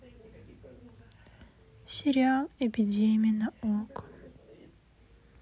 сериал эпидемия на окко